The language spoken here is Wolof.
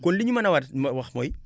kon li ñu mën a war ma wax mooy